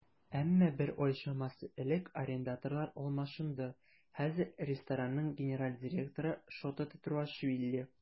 Әмма бер ай чамасы элек арендаторлар алмашынды, хәзер ресторанның генераль директоры Шота Тетруашвили.